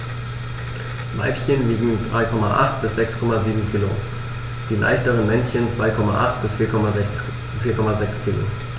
Weibchen wiegen 3,8 bis 6,7 kg, die leichteren Männchen 2,8 bis 4,6 kg.